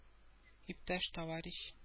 Иптәш-товарищ